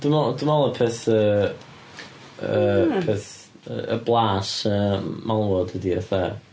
Dwi'n meddwl dwi'n meddwl y peth yy y peth y peth y blas yy malwod ydy fatha...